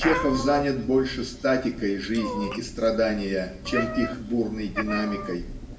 Чехов занят больше статикой жизни и страдания чем их бурной динамикой.